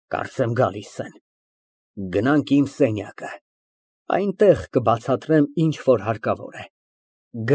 Կարծեմ գալիս են։ Գնանք իմ սենյակը, այնտեղ կբացատրեմ ինչ որ հարկավոր է։